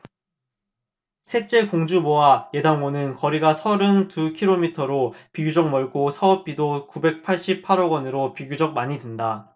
셋째 공주보와 예당호는 거리가 서른 두 키로미터로 비교적 멀고 사업비도 구백 팔십 팔 억원으로 비교적 많이 든다